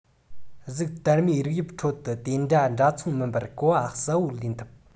གཟུགས དར མའི རིགས དབྱིབས ཁྲོད དུ དེ འདྲ འདྲ མཚུངས མིན པར གོ བ གསལ པོ ལེན ཐུབ